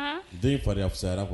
Den faririn a fisasa kuwa